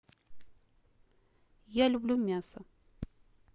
я люблю мясо